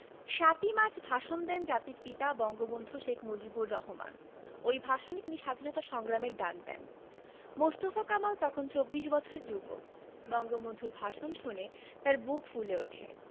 ৭ই মার্চ ভাষণ দেন জাতির পিতা বঙ্গবন্ধু শেখ মুজিবুর রহমান ওই ভাষণে তিনি স্বাধীনতা সংগ্রামের ডাক দেন মোস্তফা কামাল তখন চব্বিশ বছরের যুবক বঙ্গবন্ধুর ভাষণ শুনে তাঁর বুক ফুলে ওঠে